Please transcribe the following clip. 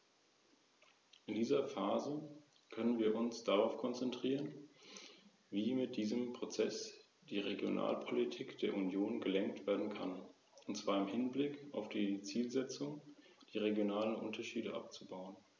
Gestatten Sie mir noch einen letzten Hinweis.